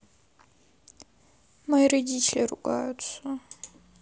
мои родители ругаются